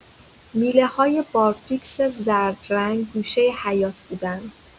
میله‌های بارفیکس زرد رنگ گوشه حیاط بودن.